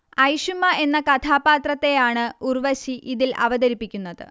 ഐഷുമ്മ എന്ന കഥാപാത്രത്തെയാണ് ഉർവശി ഇതിൽ അവതരിപ്പിക്കുന്നത്